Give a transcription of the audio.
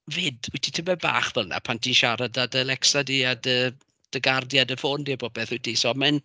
'Fyd wyt ti tamed bach fel 'na pan ti'n siarad â dy Alexa di, a dy dy gar di a dy ffôn di a popeth wyt ti, so mae e'n...